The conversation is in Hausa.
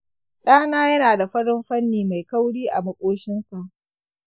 ɗana yana da farin fanni mai kauri a maƙoshinsa.